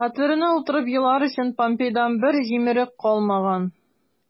Хәтеренә утырып елар өчен помпейдан бер җимерек калмаган...